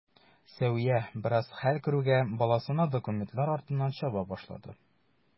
Сәвия, бераз хәл керүгә, баласына документлар артыннан чаба башлады.